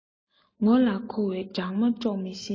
ངོ ལ འཁོར བའི སྦྲང མ དཀྲོག མི ཤེས